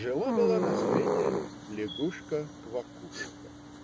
Жила-была на свете лягушка-квакушка.